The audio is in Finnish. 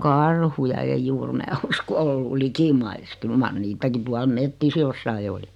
no karhuja ei juuri minä uskon ole ollut likimaissa kyllä mar niitäkin tuolla metsissä jossakin oli